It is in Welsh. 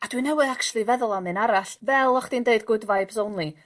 A dwi newy actually feddwl am un arall fel o' chdi'n deud good vibes only